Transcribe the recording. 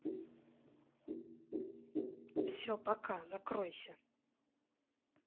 все пока закройся